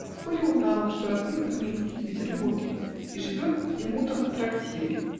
Вскоре узнал он, что ротмистр Минский в Петербурге и живет в Демутовом трактире.